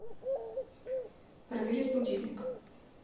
проверить будильник